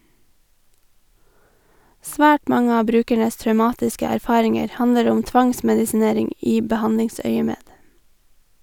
Svært mange av brukernes traumatiske erfaringer handler om tvangsmedisinering i behandlingsøyemed.